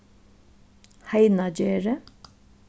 heinagerði